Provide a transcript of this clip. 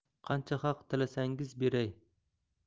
qancha haq tilasangiz beray